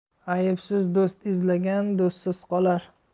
aybsiz do'st izlagan do'stsiz qolar